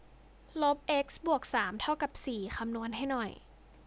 ลบเอ็กซ์บวกสามเท่ากับสี่คำนวณให้หน่อย